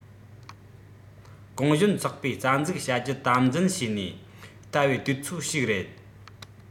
གུང གཞོན ཚོགས པའི རྩ འཛུགས བྱ རྒྱུ དམ འཛིན བྱས ནས བལྟ བའི དུས ཚོད ཞིག རེད